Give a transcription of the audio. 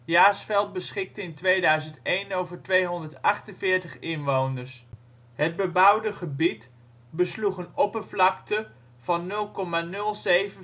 Jaarsveld beschikte in 2001 over 248 inwoners. Het bebouwde gebied besloeg een oppervlakte van 0,07